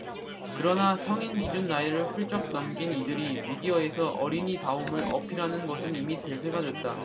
그러나 성인 기준 나이를 훌쩍 넘긴 이들이 미디어에서 어린이 다움을 어필하는 것은 이미 대세가 됐다